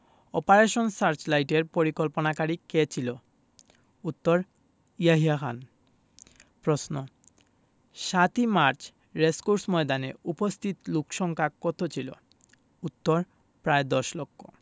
operation সার্চলাইটের পরিকল্পনাকারী কে ছিল উত্তর ইয়াহিয়া খান প্রশ্ন ৭ই মার্চ রেসকোর্স ময়দানে উপস্থিত লোকসংক্ষা কত ছিলো উত্তর প্রায় দশ লক্ষ